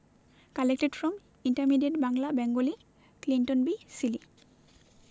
collected from intermediate Bangla Bengali Clinton B Seely